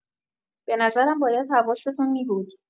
به نظرم باید حواستون می‌بود.